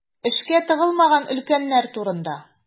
Эшкә тыгылмаган өлкәннәр турында.